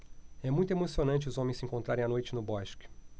é muito emocionante os homens se encontrarem à noite no bosque